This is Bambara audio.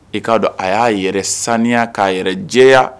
I k'a dɔn a y'a yɛrɛ saniya k'a yɛrɛ jɛya